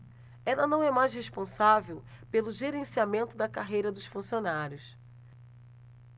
ela não é mais responsável pelo gerenciamento da carreira dos funcionários